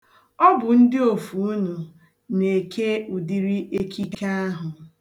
Ọ bụ ndị ofe unu na-eke ụdịrị ekike ahụ.